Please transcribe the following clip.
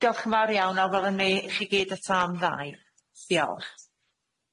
Diolch yn fawr iawn a welwn ni i chi gyd eto am ddau. Diolch.